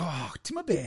O, timod be?